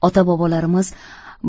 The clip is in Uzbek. ota bobolarimiz